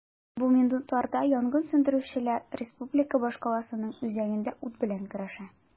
Бу минутларда янгын сүндерүчеләр республика башкаласының үзәгендә ут белән көрәшә.